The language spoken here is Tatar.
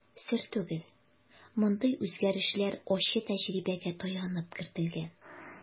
Сер түгел, мондый үзгәрешләр ачы тәҗрибәгә таянып кертелгән.